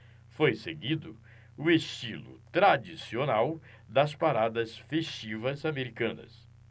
foi seguido o estilo tradicional das paradas festivas americanas